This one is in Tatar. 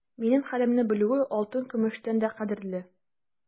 Минем хәлемне белүе алтын-көмештән дә кадерле.